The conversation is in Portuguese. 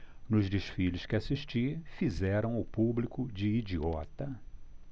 nos desfiles que assisti fizeram o público de idiota